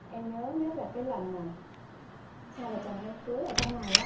em nhớ nhất là cái lần mà hai vợ chồng em cưới ở trong này ớ